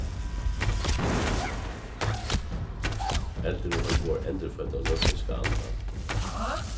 eldurin umboðar endurfødda olympiska andan